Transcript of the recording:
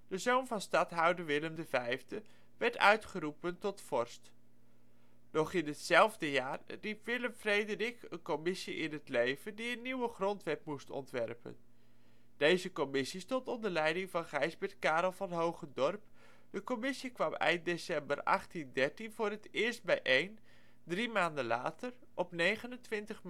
de zoon van stadhouder Willem V werd uitgeroepen tot vorst. Nog in hetzelfde jaar riep Willem Frederik een commissie in het leven die een nieuwe Grondwet moest ontwerpen. Deze commissie stond onder leiding van Gijsbert Karel van Hogendorp. De commissie kwam eind december 1813 voor het eerst bijeen, drie maanden later, op 29 maart